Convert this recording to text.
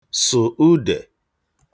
sụ̀ udè